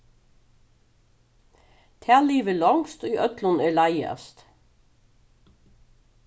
tað livir longst ið øllum er leiðast